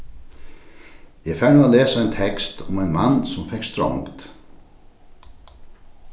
eg fari nú at lesa ein tekst um ein mann sum fekk strongd